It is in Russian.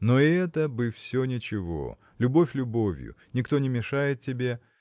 Но это бы все ничего: любовь любовью никто не мешает тебе